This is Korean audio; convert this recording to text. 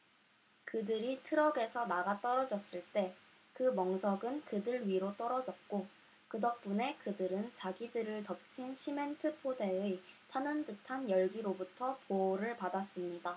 그들이 트럭에서 나가떨어졌을 때 그 멍석은 그들 위로 떨어졌고 그 덕분에 그들은 자기들을 덮친 시멘트 포대의 타는 듯한 열기로부터 보호를 받았습니다